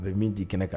A bɛ min di kɛnɛ kan